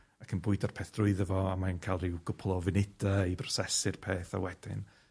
ac yn bwydo'r peth drwyddo fo ac mae'n cael ryw gwpl o funude i brosesi'r peth a wedyn